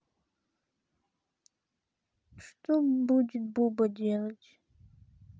что будет буба делать